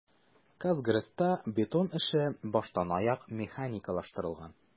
"казгрэс"та бетон эше баштанаяк механикалаштырылган.